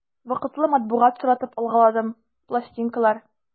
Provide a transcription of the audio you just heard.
Вакытлы матбугат соратып алгаладым, пластинкалар...